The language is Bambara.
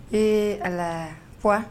Ee ala